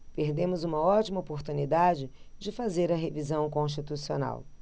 perdemos uma ótima oportunidade de fazer a revisão constitucional